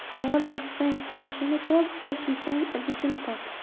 mol yig'sang qo'nishini top osh yesang idishini top